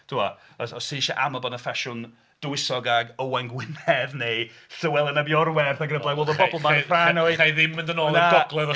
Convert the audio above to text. Ti'bod. Os ti isio amau bod 'na ffasiwn dywysog ag Owain Gwynedd neu Llywelyn Ap Iorwerth ... Cha' i ddim mynd yn ôl i'r Gogledd os...